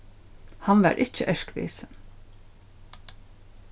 hann var ikki erkvisin